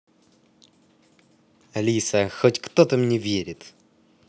алиса хоть кто то мне верит